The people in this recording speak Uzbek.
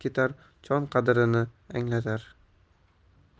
ketar jon qadrini anglatar